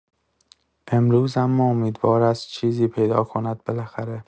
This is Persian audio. امروز اما امیدوار است چیزی پیدا کند بالاخره.